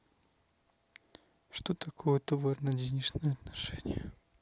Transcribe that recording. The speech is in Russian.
что такое товарно денежные отношения